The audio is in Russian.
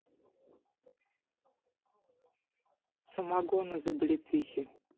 самогон из облепихи